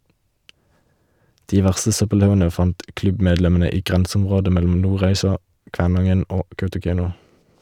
De verste søppelhaugene fant klubbmedlemmene i grenseområdet mellom Nordreisa, Kvænangen og Kautokeino.